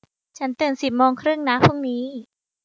ฉันตื่นสิบโมงครึ่งนะพรุ่งนี้